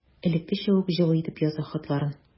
Элеккечә үк җылы итеп яза хатларын.